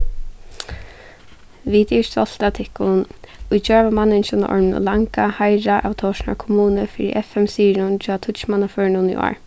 vit eru stolt av tykkum í gjár varð manningin á orminum langa heiðrað av tórshavnar kommunu fyri fm-sigurin hjá tíggjumannaførunum í ár